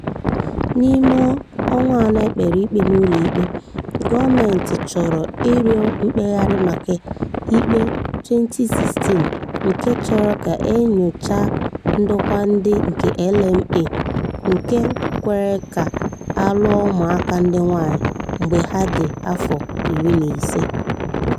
N’ime ọnwa anọ e kpere ikpe n’ụlọikpe, gọọmenti chọrọ ịrịọ mkpegharị maka ikpe 2016 nke chọrọ ka e nyochaa ndokwa ndị nke LMA nke kwere ka a lụọ ụmụaka ndị ngwaanyị mgbe ha dị afọ 15.